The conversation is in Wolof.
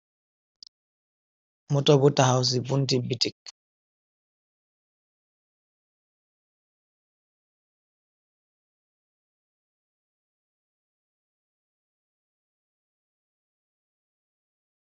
Mto bu taxaw si buntu bitik.